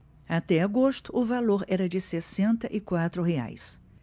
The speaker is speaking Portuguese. até agosto o valor era de sessenta e quatro reais